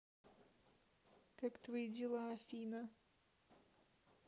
как твои дела афина